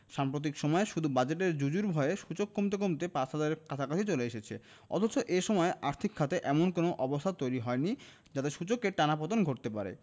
সাম্প্রতিক সময়ে শুধু বাজেটের জুজুর ভয়ে সূচক কমতে কমতে ৫ হাজারের কাছাকাছি চলে এসেছে অথচ এ সময়ে আর্থিক খাতে এমন কোনো অবস্থা তৈরি হয়নি যাতে সূচকের টানা পতন ঘটতে পারে